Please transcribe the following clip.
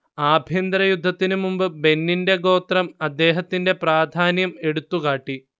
ആഭ്യന്തരയുദ്ധത്തിനുമുമ്പ് ബെന്നിന്റെ ഗോത്രം അദ്ദേഹത്തിന്റെ പ്രാധാന്യം എടുത്തുകാട്ടി